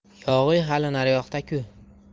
yog'iy hali naryoqda ku